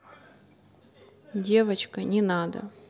девочка не надо